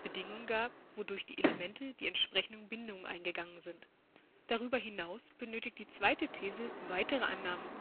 Bedingungen gab, wodurch die Elemente die entsprechenden Bindungen eingegangen sind. Darüber hinaus benötigt die zweite These weitere Annahmen